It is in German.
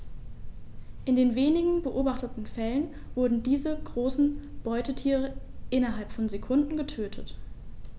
In den wenigen beobachteten Fällen wurden diese großen Beutetiere innerhalb von Sekunden getötet.